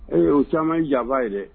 Ee o caman jaba ye dɛ